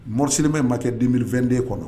Morisimɛ ma kɛ den2den kɔnɔ